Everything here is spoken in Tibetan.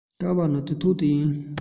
བསྐུར བའི ནི དུས ཐོག ཏུ ཡིན